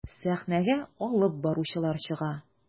Сәхнәгә алып баручылар чыга.